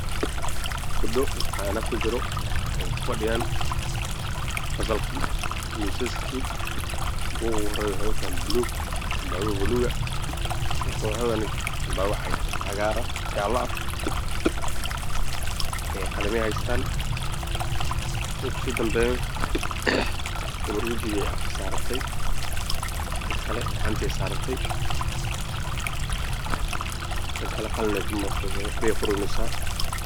Waa school waxaa jooga gabar wadato xijaab jaalle buluug ah